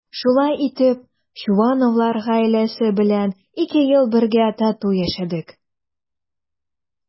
Шулай итеп Чувановлар гаиләсе белән ике ел бергә тату яшәдек.